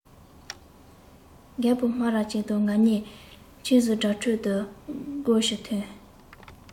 རྒད པོ སྨ ར ཅན དང ང གཉིས ཁྱིའི ཟུག སྒྲའི ཁྲོད དུ སྒོ ཕྱིར ཐོན